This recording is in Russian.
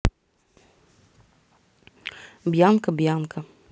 бьянка бьянка